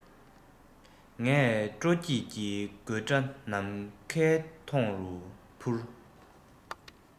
ངས སྤྲོ སྐྱིད ཀྱི དགོད སྒྲ ནམ མཁའི མཐོངས སུ སྤུར